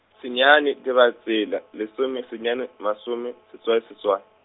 senyane Dibatsela, lesomesenyane masome, seswai seswai.